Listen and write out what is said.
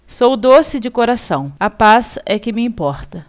sou doce de coração a paz é que me importa